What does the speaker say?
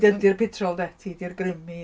Ti d- di'r petrol 'de? Ti 'di'r grym i